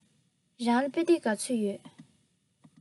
རང ལ དཔེ དེབ ག ཚོད ཡོད